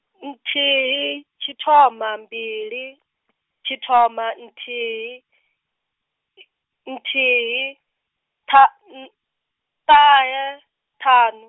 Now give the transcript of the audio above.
nthihi tshithoma mbili, tshithoma nthihi, nthihi, tha ṱahe, ṱhanu.